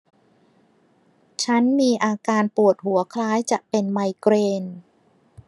ฉันมีอาการปวดหัวคล้ายจะเป็นไมเกรน